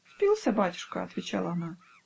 "Спился, батюшка", -- отвечала она.